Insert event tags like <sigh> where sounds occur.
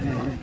<hesitation> <hesitation>